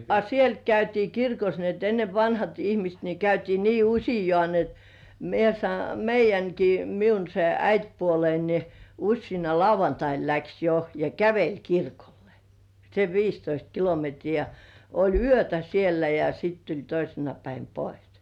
a sieltä käytiin kirkossa niin että ennen vanhat ihmiset niin käytiin niin useaan niin että minä - meidänkin minun se äitipuoleni niin useana lauantaina lähti jo ja käveli kirkolle sen viisitoista kilometriä ja oli yötä siellä ja sitten tuli toisena päivänä pois